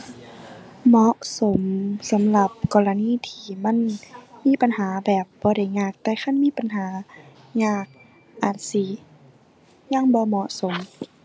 เหมาะสมสำหรับกรณีที่มันมีปัญหาแบบบ่ได้ยาก แต่คันมีปัญหายากอาจสิยังบ่เหมาะสม